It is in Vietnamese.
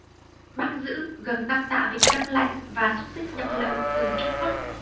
bắt giữ gần năm tạ vịt đông lạnh và xúc xích nhập lậu từ trung quốc